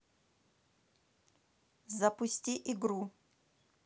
запусти игру